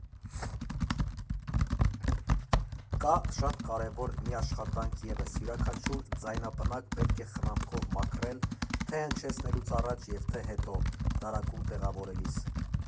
Կա շատ կարևոր մի աշխատանք ևս՝ յուրաքանչյուր ձայնապնակ պետք է խնամքով մաքրել, թե՛ հնչեցնելուց առաջ և թե հետո՝ դարակում տեղավորելիս։